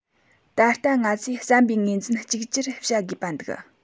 ད ལྟ ང ཚོས བསམ པའི ངོས འཛིན གཅིག གྱུར བྱ དགོས པ འདུག